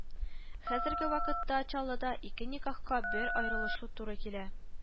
Хәзерге вакытта Чаллыда ике никахка бер аерылышу туры килә